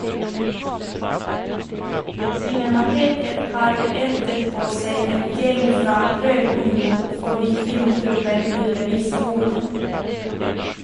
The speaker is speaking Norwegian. Cinemateket har ertet på seg en gjeng fra "Rød ungdom" fordi filmklubben ville vise porno.